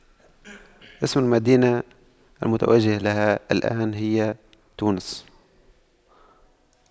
اسم المدينة المتوجه لها الآن هي تونس